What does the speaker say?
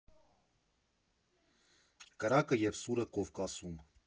Կրակը և սուրը Կովկասում։